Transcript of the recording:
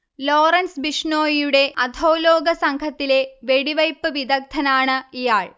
Lawrence ബിഷ്നോയിയുടെ അധോലോക സംഘത്തിലെ വെടിവെയ്പ്പ് വിദഗ്ദ്ധനാണ് ഇയാൾ